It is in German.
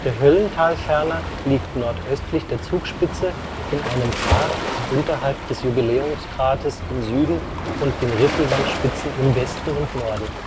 Höllentalferner liegt nordöstlich der Zugspitze in einem Kar unterhalb des Jubiläumsgrates im Süden und den Riffelwandspitzen im Westen und Norden